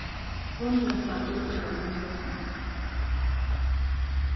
hundurin slapp út úr hasum húsinum